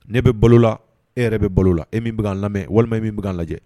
Ne bɛ balola e yɛrɛ bɛ balola e min bɛ' lamɛn walima e min bɛ'a lajɛ